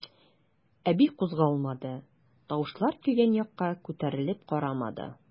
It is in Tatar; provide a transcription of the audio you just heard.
Әби кузгалмады, тавышлар килгән якка күтәрелеп карамады.